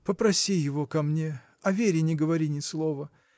Попроси его ко мне, а Вере не говори ни слова.